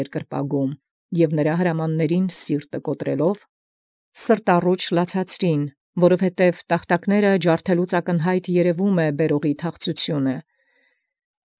Երկիր պագանէին, և զնորին հրամանաբերն սրտառուչ սրտաբեկ լացուցին. քանզի ի տախտակացն խորտակելոց յայտնի եղեալ տեսանէք բերելւոյն թախծութիւնն։